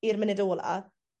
i'r munud ola